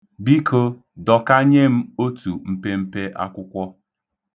Biko, dọkanye m otu mpempe akwụkwọ.